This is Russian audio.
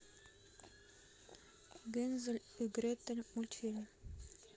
гензель и гретель мультфильм